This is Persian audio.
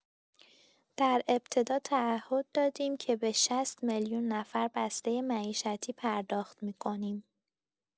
در ابتدا تعهد دادیم که به ۶۰ میلیون نفر بسته معیشتی پرداخت می‌کنیم.